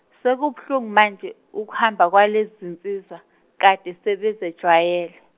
sekubuhlungu manje, ukuhamba kwalezi zinsizwa, kade sebezejwayele.